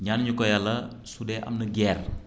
ñaanuñu ko Yàlla su dee am na guerre